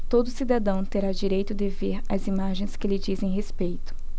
todo cidadão terá direito de ver as imagens que lhe dizem respeito